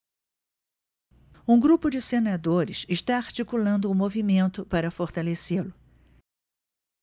um grupo de senadores está articulando um movimento para fortalecê-lo